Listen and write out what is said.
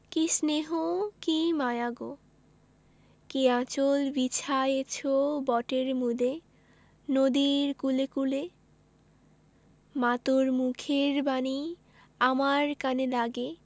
কী স্নেহ কী মায়া গো কী আঁচল বিছায়েছ বটের মূলে নদীর কূলে কূলে মা তোর মুখের বাণী আমার কানে লাগে